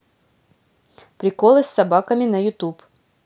приколы с собаками на ютуб